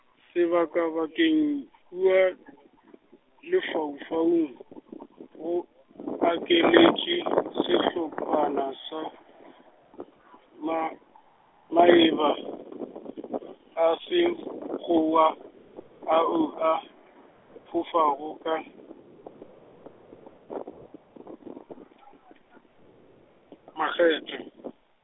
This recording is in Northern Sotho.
sebakabakeng kua, lefaufaung, go, akaletše, sehlophana sa , ma, maeba a Sekg- -kgowa, ao a, fofago ka , makgethe.